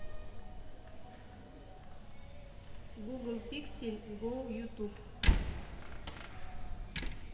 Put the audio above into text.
гугл пиксель гоу ютуб